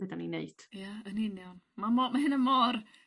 be' 'dan ni'n neud. Ia yn union ma' mor ma' hynna mor